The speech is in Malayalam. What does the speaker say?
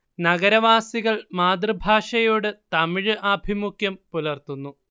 നഗരവാസികൾ മാതൃഭാഷയോട് തമിഴ് ആഭിമുഖ്യം പുലർത്തുന്നു